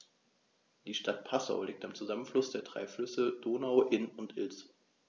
Die Stadt Passau liegt am Zusammenfluss der drei Flüsse Donau, Inn und Ilz.